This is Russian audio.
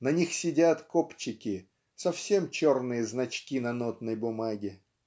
на них сидят копчики, - совсем черные значки на нотной бумаге".